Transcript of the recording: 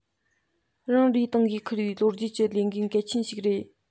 རང རེའི ཏང གིས འཁུར བའི ལོ རྒྱུས ཀྱི ལས འགན གལ ཆེན ཞིག རེད